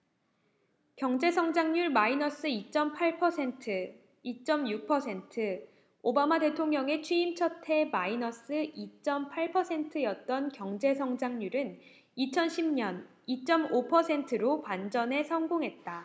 경제성장률 마이너스 이 쩜 팔 퍼센트 이 쩜 육 퍼센트 오바마 대통령의 취임 첫해 마이너스 이 쩜 팔 퍼센트였던 경제 성장률은 이천 십 년 이 쩜 오 퍼센트로 반전에 성공했다